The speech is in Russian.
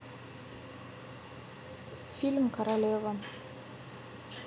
фильм королева